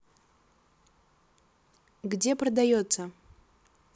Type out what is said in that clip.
где продается